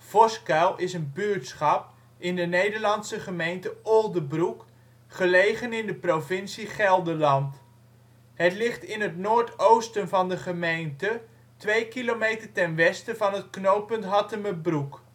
Voskuil is een buurtschap in de Nederlandse gemeente Oldebroek, gelegen in de provincie Gelderland. Het ligt in het noordoosten van de gemeente 2 kilometer ten westen van het Knooppunt Hattemerbroek